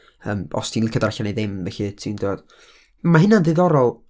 yym, os ti'n licio darllen neu ddim, felly ti'n dod... Ma' hynna'n ddiddorol...